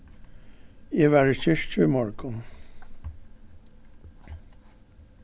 eg var í kirkju í morgun